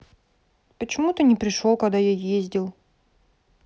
почему то не пришел когда я ездил